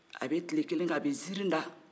a bɛ kile kelen kɛ a bɛ ziiiri da